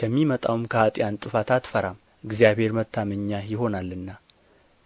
ከሚመጣውም ከኃጥኣን ጥፋት አትፈራም እግዚአብሔር መታመኛህ ይሆናልና